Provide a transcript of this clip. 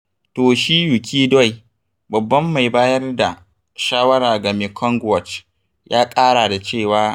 Toshiyuki Doi, babban mai bayar da shawara ga Mekong Watch, ya ƙara da cewa: